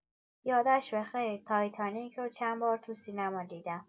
یادش بخیر، تایتانیک رو چند بار تو سینما دیدم.